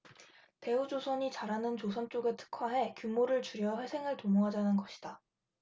대우조선이 잘하는 조선 쪽에 특화해 규모를 줄여 회생을 도모하자는 것이다